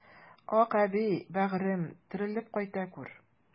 Акъәби, бәгырем, терелеп кайта күр!